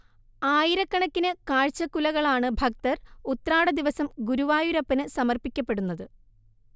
ആയിരക്കണക്കിന് കാഴ്ചകുലകളാണ് ഭക്തർ ഉത്രാടദിവസം ഗുരുവായൂരപ്പനു സമർപ്പിക്കപെടുന്നത്